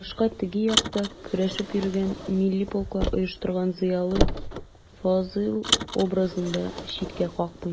Ул башта «теге як»та көрәшеп йөргән, милли полклар оештырган зыялы Фазыйл образын да читкә какмый.